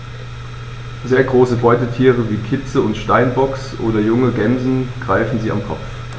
Sehr große Beutetiere wie Kitze des Steinbocks oder junge Gämsen greifen sie am Kopf.